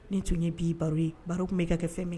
Nin tun ye bi baro ye baro tun bɛ ka kɛ fɛn min